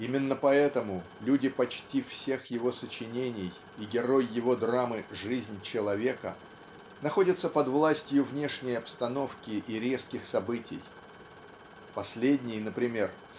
Именно поэтому люди почти всех его сочинений и герой его драмы "Жизнь человека" находятся под властью внешней обстановки и резких событий. Последний например